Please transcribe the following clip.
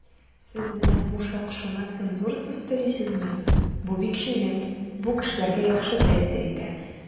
"сез менә бу шакшыны цензурасыз телисезме?" - бу бик җиңел, бу кешеләргә яхшы тәэсир итә.